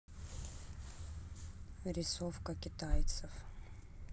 рисовка китайцев